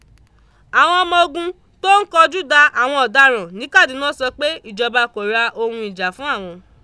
Àwọn ọmoogun tó ń kọjú da àwọn ọ̀daràn ní Kàdúná sọ pé ìjọba kò ra ohun ìjà fún àwọn.